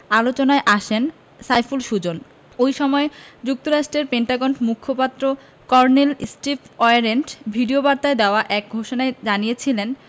আলোচনায় আসেন সাইফুল সুজন ওই সময় যুক্তরাষ্টের পেন্টাগন মুখপাত্র কর্নেল স্টিভ ওয়ারেন ভিডিওবার্তায় দেওয়া এক ঘোষণায় জানিয়েছিলেন